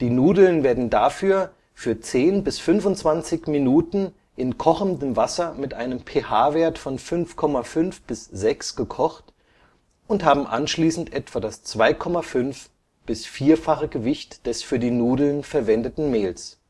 Nudeln werden dafür für 10 bis 25 Minuten in kochendem Wasser mit einem pH-Wert von 5,5 bis 6 gekocht und haben anschließend etwa das 2,5 - bis 4-fache Gewicht des für die Nudeln verwendeten Mehls